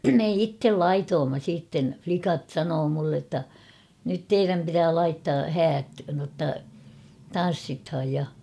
me itse laitoimme sitten likat sanoi minulle jotta nyt teidän pitää laittaa häät jotta tanssitaan ja